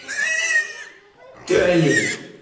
ты олень